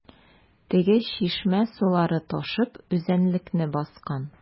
Теге чишмә сулары ташып үзәнлекне баскан.